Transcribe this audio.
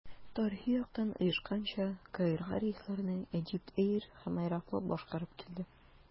Тарихи яктан оешканча, Каирга рейсларны Egypt Air һәм «Аэрофлот» башкарып килде.